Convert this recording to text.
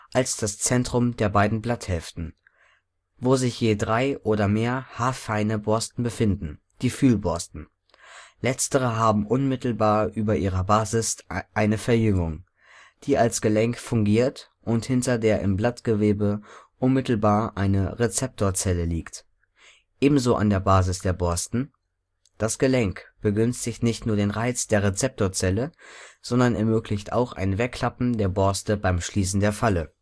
als das Zentrum der beiden Blatthälften, wo sich je drei oder mehr haarfeine Borsten befinden (die Fühlborsten). Letztere haben unmittelbar über ihrer Basis eine Verjüngung, die als Gelenk fungiert und hinter der im Blattgewebe unmittelbar eine Rezeptorzelle liegt, ebenso an der Basis der Borsten. Das Gelenk begünstigt nicht nur den Reiz der Rezeptorzelle, sondern ermöglicht auch ein „ Wegklappen “der Borste beim Schließen der Falle